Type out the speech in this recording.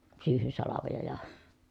syyhysalvoja ja